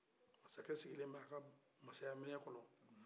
masakɛ sigilen bɛ a ka masaya minɛ kɔnɔ